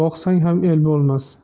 boqsang ham el bo'lmas